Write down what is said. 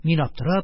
Мин, аптырап,